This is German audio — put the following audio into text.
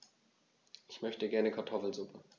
Ich möchte gerne Kartoffelsuppe.